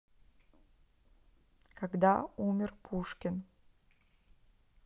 когда умер пушкин